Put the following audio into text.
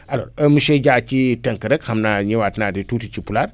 alors monsieur Dia ci tënk rek xam naa ñëwaat naa di tuuti ci pulaar